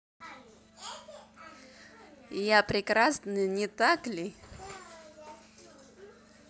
я прекрасна не так ли